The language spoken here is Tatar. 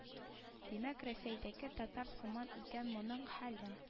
Димәк рәсәйдәге татар сыман икән моның хәле